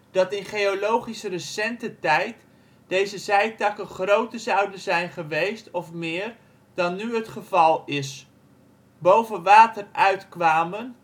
dat in geologisch recente tijd deze zijtakken groter zouden zijn geweest of meer dan nu het geval is boven water uit kwamen